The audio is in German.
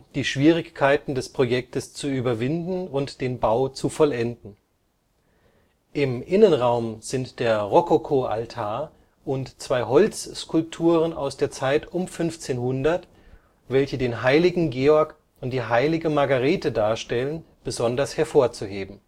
die Schwierigkeiten des Projektes zu überwinden und den Bau zu vollenden. Im Innenraum sind der Rokoko-Altar und zwei Holzskulpturen aus der Zeit um 1500, welche den heiligen Georg und die heilige Margarete darstellen, besonders hervorzuheben